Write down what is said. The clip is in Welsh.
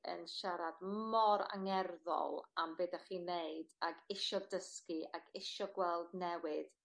yn siarad mor angerddol am be' 'dach chi'n neud ag isio dysgu ag isio gweld newid